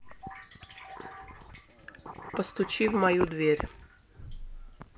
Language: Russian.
постучи в мою дверь